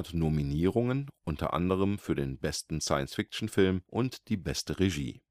Nominierungen, u. a. für den Science-Fiction Film oder die beste Regie